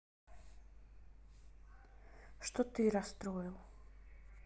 что ты расстроил